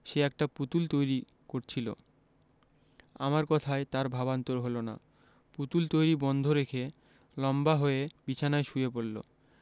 সে একটা পুতুল তৈরি করছিলো আমার কথায় তার ভাবান্তর হলো না পুতুল তৈরী বন্ধ রেখে লম্বা হয়ে বিছানায় শুয়ে পড়লো